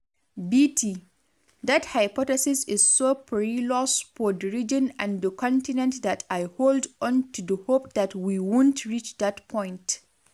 BT: That hypothesis is so perilous for the region and the continent that I hold on to the hope that we won't reach that point.